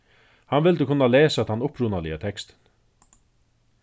hann vildi kunna lesa tann upprunaliga tekstin